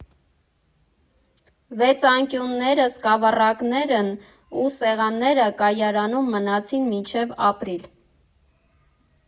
Վեցանկյունները, սկավառակներն ու սեղանները Կայարանում մնացին մինչև ապրիլ։